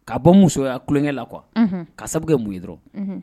Ka bɔ musoya tulonkɛ la qu ka sababu mun ye dɔrɔn